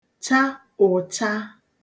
cha ụ̀cha